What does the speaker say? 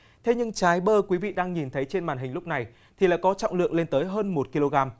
thế nhưng trái bơ quý vị đang nhìn thấy trên màn hình lúc này thì là có trọng lượng lên tới hơn một ki lô gam